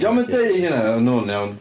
'Dio'm yn deud hynna yn hwn, iawn.